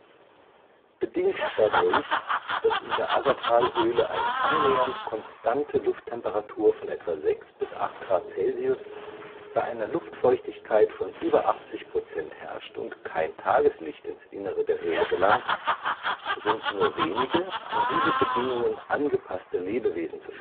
Bedingt dadurch, dass in der Aggertalhöhle eine annähernd konstante Lufttemperatur von etwa sechs bis acht Grad Celsius bei einer Luftfeuchtigkeit von über 80 Prozent herrscht und kein Tageslicht ins Innere der Höhle gelangt, sind nur wenige, an diese Bedingungen angepasste Lebewesen zu